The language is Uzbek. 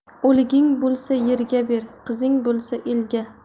o'liging bo'lsa yerga ber qizing bo'lsa elga